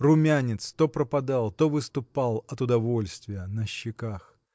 Румянец то пропадал, то выступал от удовольствия на щеках.